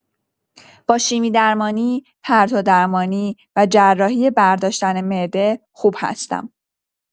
با شیمی‌درمانی، پرتودرمانی، و جراحی برداشتن معده، خوب هستم.